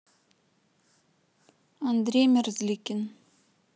андрей мерзликин